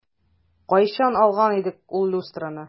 Кайчан алган идек ул люстраны?